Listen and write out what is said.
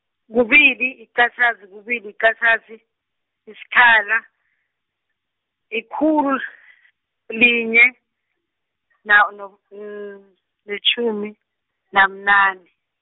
kubili yiqatjhazi kubili yiqatjhazi, yisikhala, yikhul- linye, na- nob- netjhumi, nabunane.